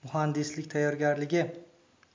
muhandislik tayyorgarligi